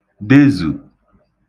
dezù